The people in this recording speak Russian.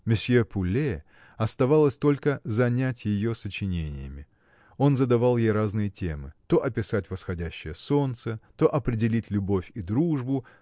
Месье Пуле оставалось только занять ее сочинениями. Он задавал ей разные темы то описать восходящее солнце то определить любовь и дружбу